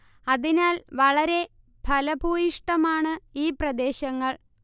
അതിനാൽ വളരെ ഫലഭൂയിഷ്ടമാണ് ഈ പ്രദേശങ്ങൾ